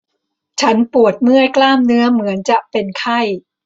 ฉันปวดเมื่อยกล้ามเนื้อเหมือนจะเป็นไข้